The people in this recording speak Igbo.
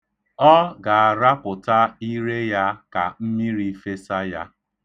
Ọ ga-arapụta ire ya ka mmiri fesa ya.